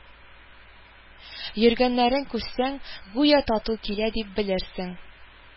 Йөргәннәрен күрсәң, гүя тау килә дип белерсең